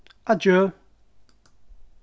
adjø